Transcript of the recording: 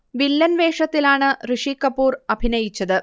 villain വേഷത്തിലാണ് ഋഷി കപൂർ അഭിനയിച്ചത്